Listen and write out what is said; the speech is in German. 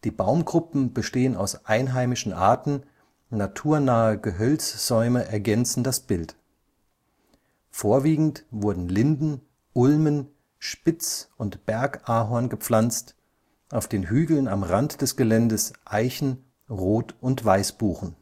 Baumgruppen bestehen aus einheimischen Arten, naturnahe Gehölzsäume ergänzen das Bild. Vorwiegend wurden Linden, Ulmen, Spitz - und Bergahorn gepflanzt, auf den Hügeln am Rand des Geländes Eichen, Rot - und Weißbuchen